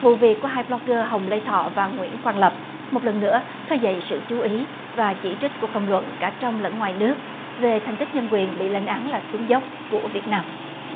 vụ việc của hai bờ lóc gơ hồng lê thọ và nguyễn quang lập một lần nữa khơi dậy sự chú ý và chỉ trích của công luận cả trong lẫn ngoài nước về thành tích nhân quyền bị lên án là xuống dốc của việt nam